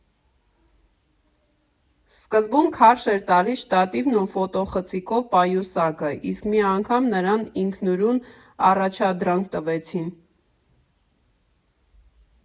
Սկզբում քարշ էր տալիս շտատիվն ու ֆոտոխցիկով պայուսակը, իսկ մի անգամ նրան ինքնուրույն առաջադրանք տվեցին։